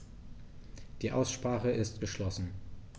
Die Aussprache ist geschlossen.